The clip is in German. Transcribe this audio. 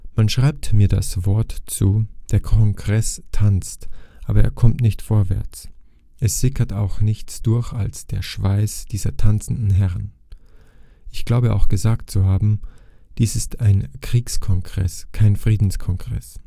Man schreibt mir das Wort zu: ‚ Der Kongress tanzt, aber er kommt nicht vorwärts. ‘Es sickert auch nichts durch als der Schweiß dieser tanzenden Herren. Ich glaube auch gesagt zu haben: ‚ Dies ist ein Kriegskongress, kein Friedenskongress